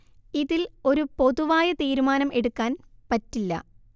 ഇതിൽ ഒരു പൊതുവായ തീരുമാനം എടുക്കാന്‍ പറ്റില്ല